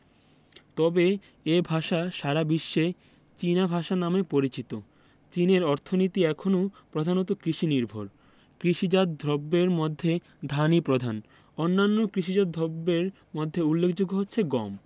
তবে এ ভাষা সারা বিশ্বে চীনা ভাষা নামে পরিচিত চীনের অর্থনীতি এখনো প্রধানত কৃষিনির্ভর কৃষিজাত দ্রব্যের মধ্যে ধানই প্রধান অন্যান্য কৃষিজাত দ্রব্যের মধ্যে উল্লেখযোগ্য হচ্ছে গম